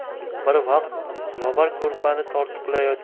bir vaqt lobar ko'rpani tortqilayot